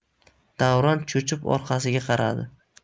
davron cho'chib orqasiga qaradi